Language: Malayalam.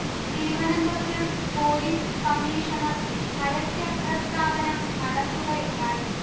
തിരുവനന്തപുരം പോലീസ് കമ്മീഷണർ പരസ്യപ്രസ്താവന നടത്തുകയുണ്ടായി